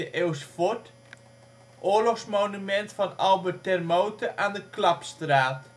eeuws fort) Oorlogsmonument van Albert Termote aan de Klapstraat